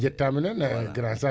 alors monsieur Dia